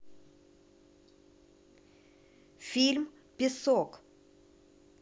фильм песок